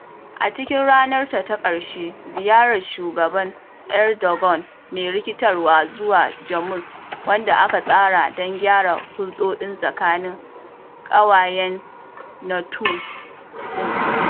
A cikin ranarta ta ƙarshen ziyarar Shugaba Erdogan mai rikitarwa zuwa Jamus - wanda aka tsara don gyara hulɗoɗi tsakanin ƙawayen NATO din.